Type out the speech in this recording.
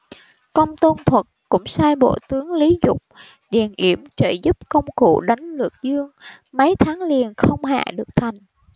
công tôn thuật cũng sai bộ tướng lý dục điền yểm trợ giúp công cụ đánh lược dương mấy tháng liền không hạ được thành